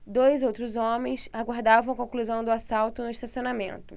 dois outros homens aguardavam a conclusão do assalto no estacionamento